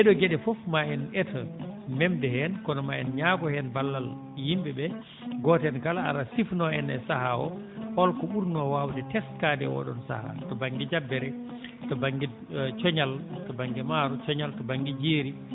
ɗee ɗoo geɗe fof maa en eto memde heen kono ma en ñaago heen ballal yimɓe ɓee gooto heen kala ara sifanoo en sahaa oo holko ɓurnoo waawde teskaade e oo ɗoon sahaa to baŋnge jabbere to baŋnge ùe coñal to baŋnge maaro coñal to baŋnge jeeri